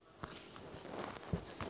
подарок на рождество